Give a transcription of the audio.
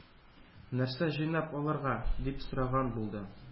-нәрсә җыйнап алырга? - дип сораган булды.